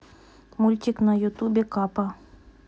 мультик на ютубе капа